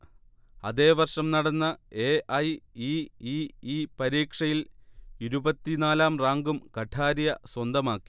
അതേവർഷം നടന്ന A. I. E. E. E പരീക്ഷയിൽ ഇരുവത്തി നാലാം റാങ്കും കഠാരിയ സ്വന്തമാക്കി